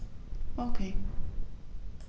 Okay.